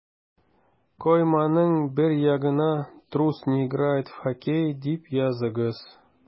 Койманың бер ягына «Трус не играет в хоккей» дип языгыз.